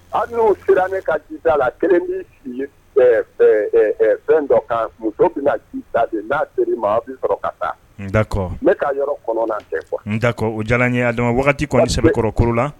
Ali n'u sera ne ka duda la kelen bi sigi fɛn dɔ kan muso bɛ na jita de n'a sera i ma aw bi sɔrɔ ka taa d'accord ne ka yɔrɔ kɔnɔ bɛ quoi d'accord o jala an ye adama waati parce que kɔni sɛbɛkɔrɔ korola